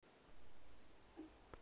музыка jennifer lopez